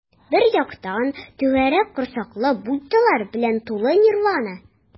Бер яктан - түгәрәк корсаклы буддалар белән тулы нирвана.